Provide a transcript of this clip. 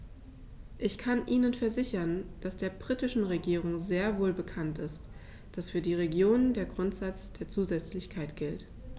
Ich kann Ihnen versichern, dass der britischen Regierung sehr wohl bekannt ist, dass für die Regionen der Grundsatz der Zusätzlichkeit gilt.